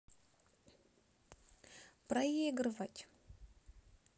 проигрывать